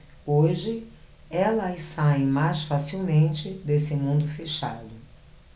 hoje elas saem mais facilmente desse mundo fechado